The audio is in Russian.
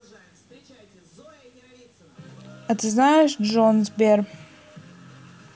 а ты знаешь джон сбер